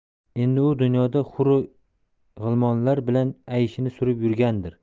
endi u dunyoda huru g'ilmonlar bilan ayshini surib yurgandir